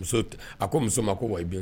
Muso a ko muso ma ko wa i bɛ